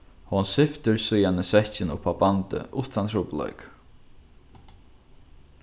hon syftir síðani sekkin uppá bandið uttan trupulleikar